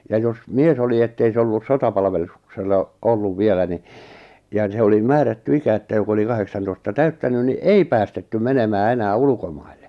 ja jos mies oli että ei se ollut - sotapalveluksella ollut vielä niin ja niin se oli määrätty ikä että joka oli kahdeksantoista täyttänyt niin ei päästetty menemään enää ulkomaille